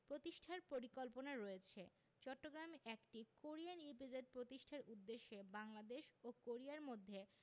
প্রতিষ্ঠার পরিকল্পনা রয়েছে চট্টগ্রামে একটি কোরিয়ান ইপিজেড প্রতিষ্ঠার উদ্দেশ্যে বাংলাদেশ ও কোরিয়ার মধ্যে